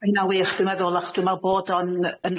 Ma' hynna'n wych dwi'n meddwl achos dwi me'wl bod o'n yn